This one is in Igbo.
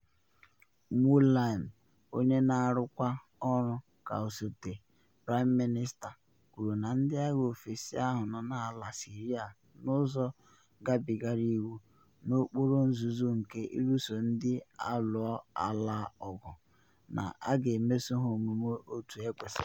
Moualem, onye na arụkwa ọrụ ka osote praịm minista, kwuru na ndị agha ofesi ahụ nọ n’ala Syrian n’ụzọ gabigara iwu, n’okpuru nzuzo nke iluso ndị alụọ alaa ọgụ, na “a ga-emeso ha omume otu ekwesịrị.”